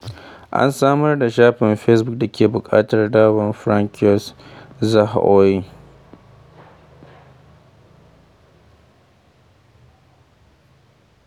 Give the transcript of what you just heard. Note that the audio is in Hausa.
An samar da shafin Fesbuk da ke buƙatar dawowar François Zahoui.